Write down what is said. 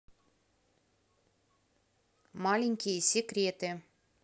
маленькие секреты